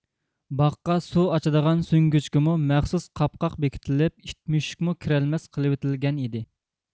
باغقا سۇ ئاچىدىغان سۈڭگۈچكىمۇ مەخسۇس قاپقاق بېكىتىلىپ ئىت مۈشۈكمۇ كىرەلمەس قىلىۋېتىلگەنىدى